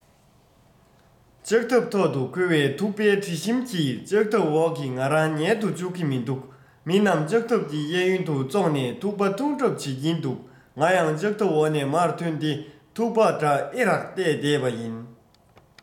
ལྕགས ཐབ ཐོག ཏུ བསྐོལ བའི ཐུག པའི དྲི ཞིམ གྱིས ལྕགས ཐབ འོག གི ང རང ཉལ དུ བཅུག གི མི འདུག མི རྣམས ལྕགས ཐབ ཀྱི གཡས གཡོན དུ ཙོག ནས ཐུག པ འཐུང གྲབས བྱེད ཀྱིན འདུག ང ཡང ལྕགས ཐབ འོག ནས མར ཐོན ཏེ ཐུག པ འདྲ ཨེ རག བལྟས བསྡད པ ཡིན